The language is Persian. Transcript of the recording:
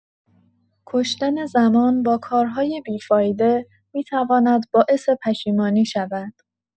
کشتن زمان با کارهای بی‌فایده می‌تواند باعث پشیمانی شود.